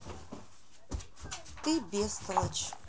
ты бестолочь